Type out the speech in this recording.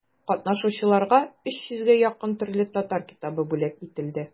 Катнашучыларга өч йөзгә якын төрле татар китабы бүләк ителде.